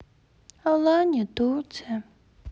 алания турция